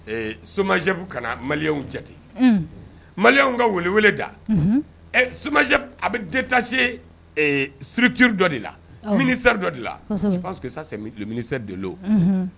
EE SOMAGEP _ kana maliɲɛw jate, unhun, maliɲɛw ka weele weele da, unhun, ɛ SOMAGEP a bɛ detaché ɛɛ, structure dɔ de la Ministère dɔ de la, je pense que ça c'est le Ministère de l'eau